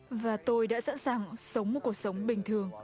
và tôi đã sẵn sàng sống một cuộc sống bình thường